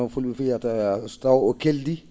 o ful?e fu?ata so taw o keldi